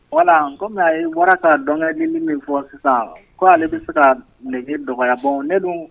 Wala kɔmi a ye bɔra ka dɔgɔdi min fɔ sisan ko ale bɛ se ka nege dɔgɔbɔ ne dun